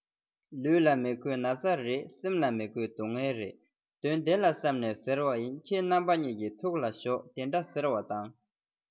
ལུས ལ མི དགོས ན ཚ རེད སེམས ལ མི དགོས སྡུག བསྔལ རེད དོན དེ ལ བསམས ནས ཟེར བ ཡིན དེ རྣམས པ གཉིས ཀྱི ཐུགས ལ ཞོགས དེ འདྲ ཟེར བ དང